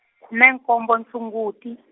khume nkombo Sunguti.